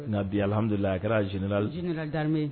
N'a bi ahadulila a kɛra jɛnɛiname